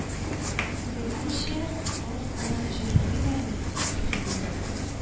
Гадәтемчә аз гына җырлыйм әле, көйлим әле